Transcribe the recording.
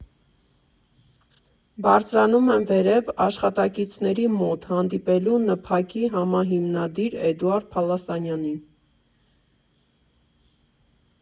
Բարձրանում եմ վերև՝ աշխատակիցների մոտ, հանդիպելու ՆՓԱԿ֊ի համահիմնադիր Էդուարդ Պալասանյանին։